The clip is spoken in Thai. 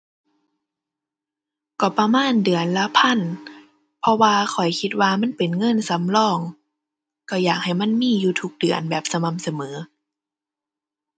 ก็ประมาณเดือนละพัน เพราะว่าข้อยคิดว่ามันเป็นเงินสำรอง ก็อยากให้มันมีอยู่ทุกเดือนแบบสม่ำเสมอ